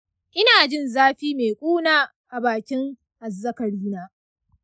ina jin zafi mai ƙuna a bakin azzakarina.